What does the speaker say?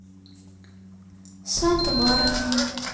санта барбара